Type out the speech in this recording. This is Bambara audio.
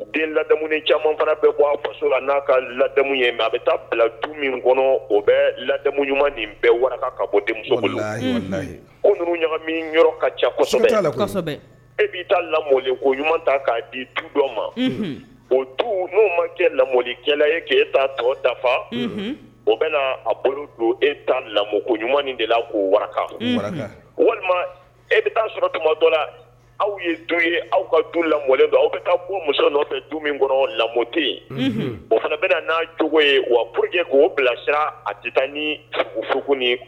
Den ladamu caman bɛɛ a n'a ka lamu a bɛ taa bila du min kɔnɔ o bɛ lamu ɲuman bɛɛ bɔ bolo ɲaga ka kosɛbɛ e bɛ ko'a di du dɔ ma o tu n' ma kɛ lakɛla ye kee ta tɔgɔ dafa o bɛna a bolo don e ta lamɔko ɲuman de la k'u waraka walima e bɛ taa sɔrɔ tuma dɔ la aw ye don ye aw ka du lalen don aw ka' ko muso tɛ du min kɔnɔ lamɔ tɛ yen o fana bɛna n'a cogo ye wa pjɛ k' oo bilasira a kita ni u fuugu